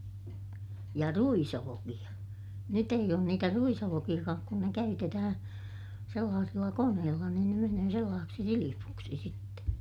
ja ruisolkia nyt ei ole niitä ruisolkiakaan kun ne käytetään sellaisilla koneilla niin ne menee sellaiseksi silpuksi sitten